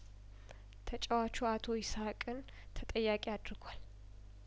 ተጫዋቹ አቶ ይስሀቅን ተጠያቂ አድርጓል